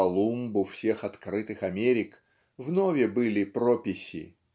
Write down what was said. , Колумбу всех открытых Америк, внове были прописи.